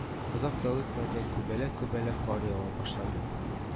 Озак та үтмәде, күбәләк-күбәләк кар ява башлады